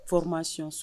Fɔ ma si sɔn